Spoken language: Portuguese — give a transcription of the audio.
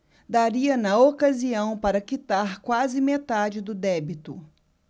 daria na ocasião para quitar quase metade do débito